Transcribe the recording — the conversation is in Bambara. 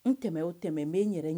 N tɛmɛ o tɛmɛ n bɛ n yɛrɛ